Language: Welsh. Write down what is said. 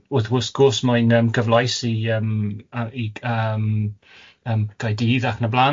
Wrth wrth gwrs mae'n yym cyfleus i yym yy i yym yym Cae'dydd ac yn y bla'n.